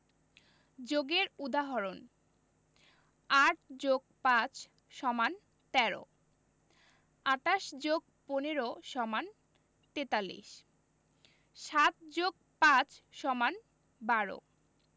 যোগের উদাহরণঃ ৮ + ৫ = ১৩ ২৮ + ১৫ = ৪৩ ৭+৫ = ১২